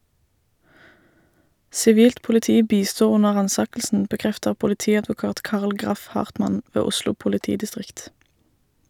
Sivilt politi bisto under ransakelsen, bekrefter politiadvokat Carl Graff Hartmann ved Oslo politidistrikt.